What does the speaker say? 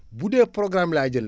bu dee programme laa jël